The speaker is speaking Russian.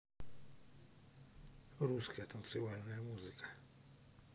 русская танцевальная музыка